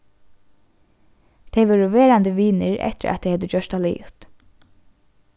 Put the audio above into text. tey vórðu verandi vinir eftir at tey høvdu gjørt tað liðugt